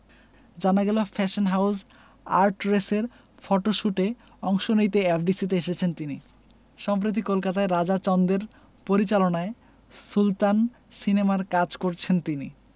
জানা গেল fashion house আর্টরেসের ফটশুটে অংশ নিতেই এফডিসিতে এসেছেন তিনি সম্প্রতি কলকাতায় রাজা চন্দের পরিচালনায় সুলতান সিনেমার কাজ করেছেন তিনি